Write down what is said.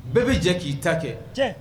Bɛɛ be jɛ k'i ta kɛ tiɲɛ